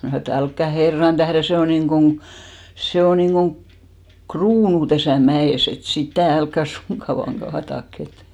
minä sanoin että älkää herran tähden se on niin kuin se on niin kuin kruunu tässä mäessä että sitä älkää suinkaan vain kaatako että